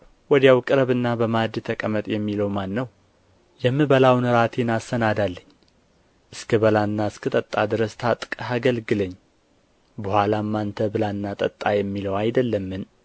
ወዲያው ቅረብና በማዕድ ተቀመጥ የሚለው ማን ነው የምበላውን እራቴን አሰናዳልኝ እስክበላና እስክጠጣ ድረስ ታጥቀህ አገልግለኝ በኋላም አንተ ብላና ጠጣ የሚለው አይደለምን